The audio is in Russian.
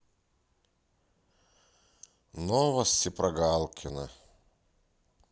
новости про галкина